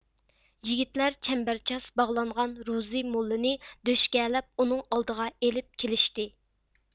يىگىتلەر چەمبەرچاس باغلانغان روزى موللىنى دۆشكەلەپ ئۇنىڭ ئالدىغا ئېلىپ كېلىشتى